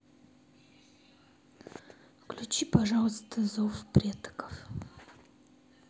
включи пожалуйста зов предков